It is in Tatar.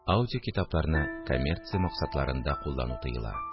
Аудиокитапларны коммерция максатларында куллану тыела